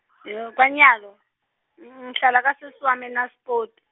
kwanyalo, ngihlala kasesi wami eNaspoti.